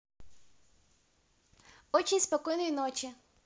очень спокойной ночи